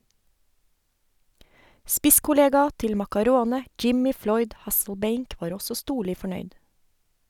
Spisskollega til Maccarone, Jimmy Floyd Hasselbaink var også storlig fornøyd.